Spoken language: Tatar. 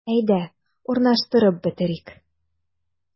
Әйдә, урнаштырып бетерик.